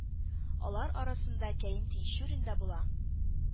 Алар арасында Кәрим Тинчурин дә була.